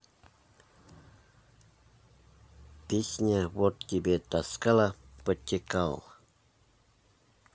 песня вот тебе таскала подтекал